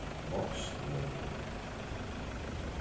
vágsvegur